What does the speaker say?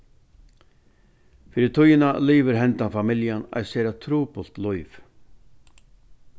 fyri tíðina livir hendan familjan eitt sera trupult lív